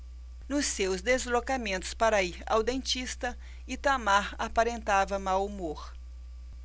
nos seus deslocamentos para ir ao dentista itamar aparentava mau humor